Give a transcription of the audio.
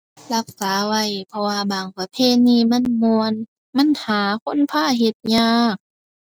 รักษาไว้ เพราะว่าบางประเพณีมันม่วน มันหาคนพาเฮ็ดยาก